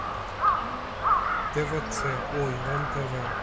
твц ой рен тв